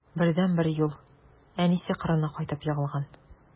Бердәнбер юл: әнисе кырына кайтып егылган.